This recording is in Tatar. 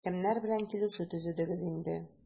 Кемнәр белән килешү төзедегез инде?